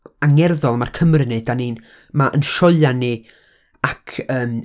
angerddol â ma'r Cymry'n wneud. Dan ni'n... ma' 'n sioeau ni, ac 'n...